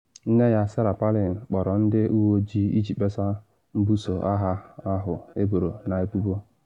Nne ya, Sarah Palin, kpọrọ ndị uwe ojii iji kpesa mbuso agha ahụ eboro n’ebubo.